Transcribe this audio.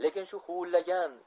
lekin shu huvillagan